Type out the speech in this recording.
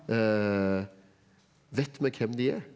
vet vi hvem de er?